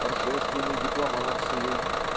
торжественной декламацией